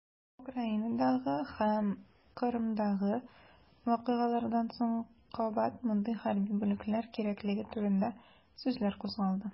Украинадагы һәм Кырымдагы вакыйгалардан соң кабат мондый хәрби бүлекләр кирәклеге турында сүзләр кузгалды.